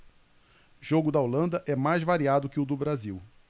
jogo da holanda é mais variado que o do brasil